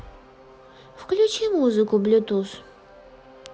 включи музыку блюз